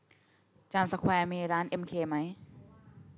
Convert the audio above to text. จามสแควร์มีร้านเอ็มเคไหม